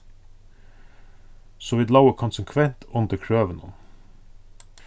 so vit lógu konsekvent undir krøvunum